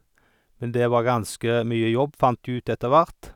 Men det var ganske mye jobb, fant vi ut etter hvert.